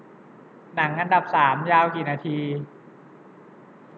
หนังอันดับสามยาวกี่นาที